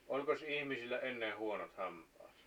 olikos ihmisillä ennen huonot hampaat